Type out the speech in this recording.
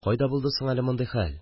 Кайда булды соң әле мондый хәл